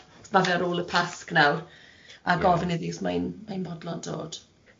chos ma' fe ar ôl y Pasg nawr, a gofyn iddi os mae'n mae'n bodlon dod.